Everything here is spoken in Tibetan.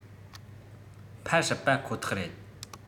འཕར སྲིད པ ཁོ ཐག རེད